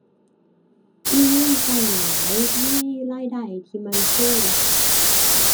มีเงินใช้หลาย มีรายได้ที่มั่นคง